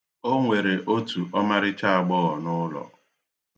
O nwere otu ọmaric̣ha agbọghọ n'ụlọ.